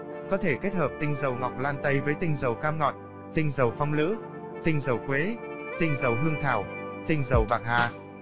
có thể kết hợp tinh dầu ngọc lan tây với tinh dầu cam ngọt tinh dầu phong lữ tinh dầu quế tinh dầu hương thảo tinh dầu bạc hà